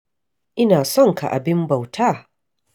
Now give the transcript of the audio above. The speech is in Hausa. Ina son ka abin bauta!